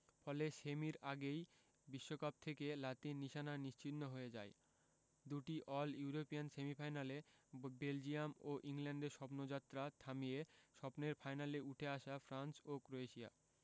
ফলে সেমির আগেই বিশ্বকাপ থেকে লাতিন নিশানা নিশ্চিহ্ন হয়ে যায় দুটি অল ইউরোপিয়ান সেমিফাইনালে বেলজিয়াম ও ইংল্যান্ডের স্বপ্নযাত্রা থামিয়ে স্বপ্নের ফাইনালে উঠে আসে ফ্রান্স ও ক্রোয়েশিয়া